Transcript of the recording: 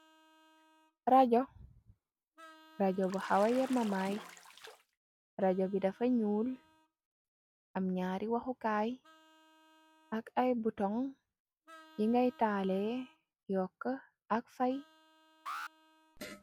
rajo rajo bu xawa ye mamaay rajo bi dafa ñuul am ñaari waxukaay ak ay butong yi ngay taalee yokk ak fay.